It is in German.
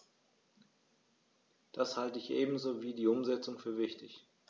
Das halte ich ebenso wie die Umsetzung für wichtig.